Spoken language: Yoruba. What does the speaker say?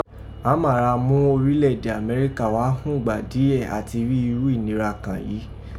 Àmá a ra mú orílẹ̀ èdè Amẹ́ríkà wá ghúngbà díyẹ̀ áti rí irú ìnira kan yìí